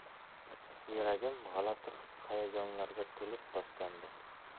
yuragim g'alati his hayajonlarga to'lib toshgandi